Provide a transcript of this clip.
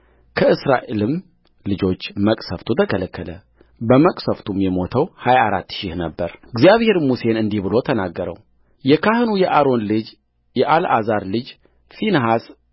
ከእስራኤልም ልጆች መቅሠፍቱ ተከለከለበመቅሠፍትም የሞተው ሀያ አራት ሺህ ነበረእግዚአብሔርም ሙሴን እንዲህ ብሎ ተናገረውየካህኑ የአሮን ልጅ የአልዓዛር ልጅ ፊንሐስ